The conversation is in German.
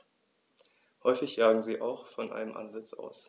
Häufig jagen sie auch von einem Ansitz aus.